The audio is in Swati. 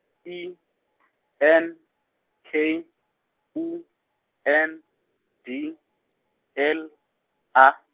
I N K U N D L A.